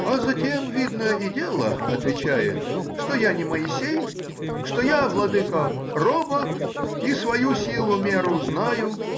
— А за тем, видно, и дело,— отвечает,— что я не Моисей, что я, владыко, робок и свою силу-меру знаю